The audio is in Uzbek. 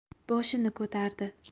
boshini ko'tardi